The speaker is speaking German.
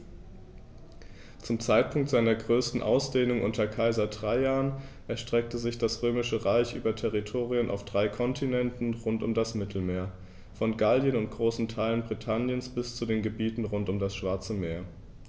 Zum Zeitpunkt seiner größten Ausdehnung unter Kaiser Trajan erstreckte sich das Römische Reich über Territorien auf drei Kontinenten rund um das Mittelmeer: Von Gallien und großen Teilen Britanniens bis zu den Gebieten rund um das Schwarze Meer.